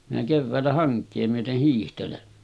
minä keväällä hankea myöten hiihtelen